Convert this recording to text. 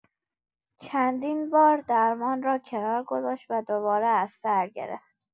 چندین بار درمان را کنار گذاشت و دوباره از سر گرفت.